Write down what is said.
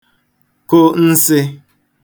kụ nsị̄